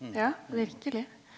ja, virkelig.